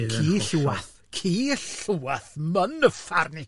Bydd. Ci ll'wath, ci ll'wath, myn uffarn i!